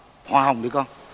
hoa hồng đi con